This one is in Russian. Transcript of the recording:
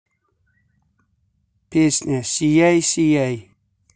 песня сияй сияй